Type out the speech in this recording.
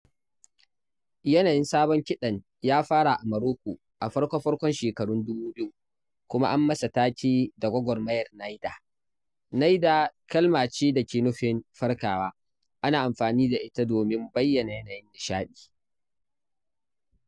Yanayin sabon kiɗan ya fara a Maroko a farko-farkon shekarun 2000, kuma an masa take da Gwagwarmayar Nayda ("nayda" kalma ce da ke nufin "farkawa", ana amfani da ita domin bayyana yanayi na nishadi).